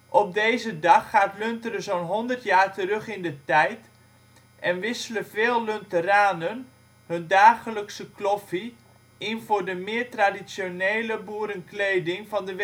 Op deze dag, gaat Lunteren zo 'n 100 jaar terug in de tijd, en wisselen vele Lunteranen hun dagelijkse kloffie in voor de meer traditionele boerenkleding van de West-Veluwe